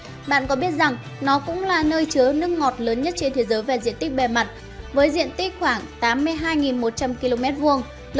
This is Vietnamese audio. bạn có biết rằng nó cũng là nơi chứa nước ngọt lớn nhất thế giới về diện tích bề mặt với diện tích khoảng dặm vuông